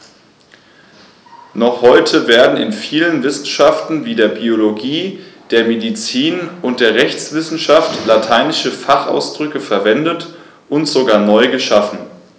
Noch heute werden in vielen Wissenschaften wie der Biologie, der Medizin und der Rechtswissenschaft lateinische Fachausdrücke verwendet und sogar neu geschaffen.